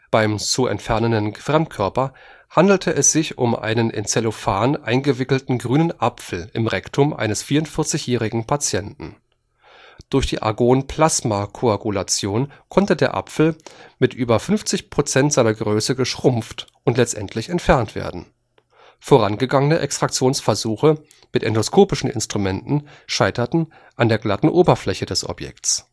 Beim zu entfernenden Fremdkörper handelte es sich um einen in Cellophan eingewickelten grünen Apfel im Rektum eines 44-jährigen Patienten. Durch die Argon-Plasma-Koagulation konnte der Apfel um über 50 Prozent seiner Größe geschrumpft und letztlich entfernt werden. Vorangegangene Extraktionsversuche mit endoskopischen Instrumenten scheiterten an der glatten Oberfläche des Objektes